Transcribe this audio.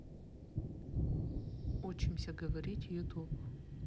учимся говорить ютуб